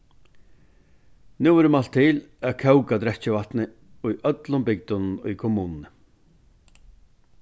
nú verður mælt til at kóka drekkivatnið í øllum bygdunum í kommununi